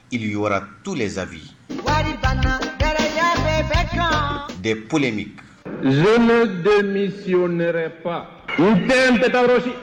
Yra tu zsaa wariya bɛ de paullen min z den ni siɛ fa n bɛn bɛ taarosi